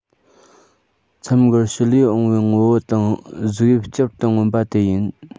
མཚམས འགར ཕྱི ལས འོངས པའི ངོ བོ དང གཟུགས དབྱིབས བསྐྱར དུ མངོན པ དེ ཡིན